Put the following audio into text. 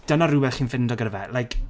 Dyna rhywbeth chi'n ffindo gyda fe. Like